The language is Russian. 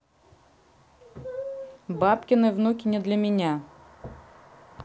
бабкины внуки не для меня